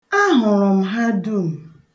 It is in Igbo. Ahụrụ m ha dum.